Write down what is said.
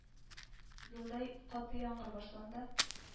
Юлда каты яңгыр башланды.